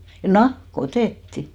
nahka otettiin